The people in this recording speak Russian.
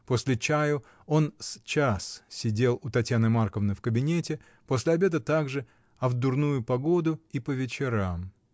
После чаю он с час сидел у Татьяны Марковны в кабинете, после обеда также, а в дурную погоду — и по вечерам.